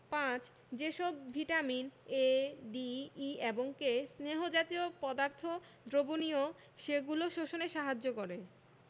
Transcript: ৫. যে সব vitamin A D E এবং K স্নেহ জাতীয় পদার্থ দ্রবণীয় সেগুলো শোষণে সাহায্য করে